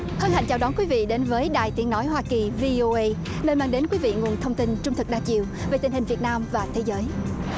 hân hạnh chào đón quý vị đến với đài tiếng nói hoa kỳ vi ô ây nơi mang đến quý vị nguồn thông tin trung thực đa chiều về tình hình việt nam và thế giới